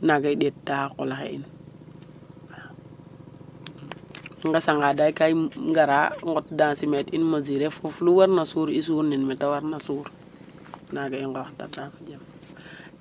Naaga i ɗeeta xa qol axe in i nqesanga daql ka i ngara nqot densimetre in mesurer foof lu warna sur i surnin mee ta warna sur naaga i nqooxtata fo jem.